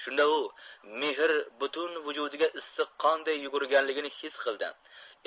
shunda u mehr butun vujudiga issiq qonday yugurganligini his qildi